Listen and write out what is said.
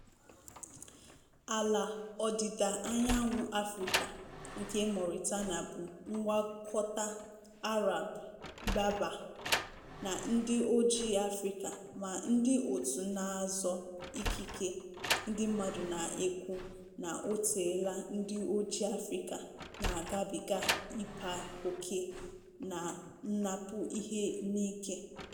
Ala Ọdịda Anyanwụ Afịrịka nke Mauritania bụ ngwakọta Arab-Berber na ndị oji Afịrịka ma ndị òtù na-azọ ikike ndị mmadụ na-ekwu na oteela ndị oji Afịrịka na-agabiga ịkpa oke na nnapụ ihe n'ike.